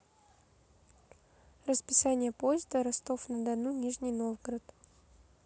расписание поезда ростов на дону нижний новгород